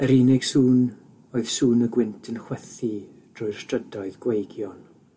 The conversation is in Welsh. Yr unig sŵn oedd sŵn y gwynt yn chwythu drwy'r strydoedd gweigion.